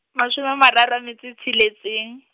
mashome a mararo a metso e tsheletseng.